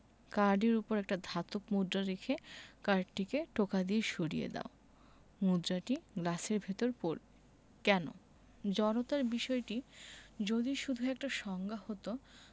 কার্ডের উপর একটা ধাতব মুদ্রা রেখে কার্ডটিকে টোকা দিয়ে সরিয়ে দাও মুদ্রাটি গ্লাসের ভেতর পড়বে কেন জড়তার বিষয়টি যদি শুধু একটা সংজ্ঞা হতো